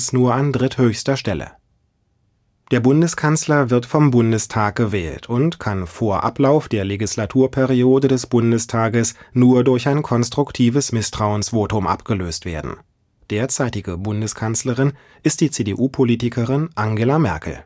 nur an dritthöchster Stelle. Der Bundeskanzler wird vom Bundestag gewählt und kann vor Ablauf der Legislaturperiode des Bundestages nur durch ein konstruktives Misstrauensvotum abgelöst werden. Derzeitige Bundeskanzlerin ist die CDU-Politikerin Angela Merkel